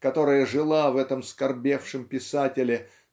которая жила в этом скорбевшем писателе